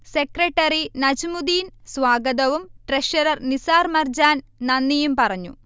secretary Najmuddin സ്വാഗതവും treasurer Nisar Marjan നന്ദിയും പറഞ്ഞു